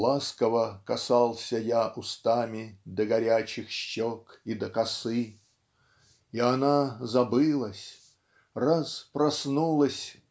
Ласково касался я устами До горячих щек и до косы. И она забылась. Раз проснулась